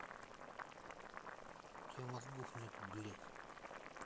у тебя мозгов нету блядь